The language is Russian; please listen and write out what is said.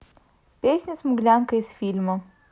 песня смуглянка из фильма